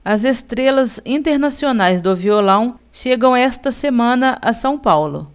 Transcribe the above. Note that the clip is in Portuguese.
as estrelas internacionais do violão chegam esta semana a são paulo